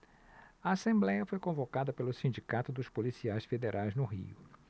a assembléia foi convocada pelo sindicato dos policiais federais no rio